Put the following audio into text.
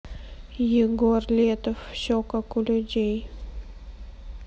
егор летов все как у людей